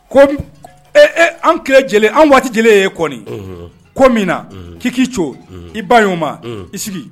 Ko an tile an waati j ye kɔni ko min na k'i k'i c i ba oo ma i sigi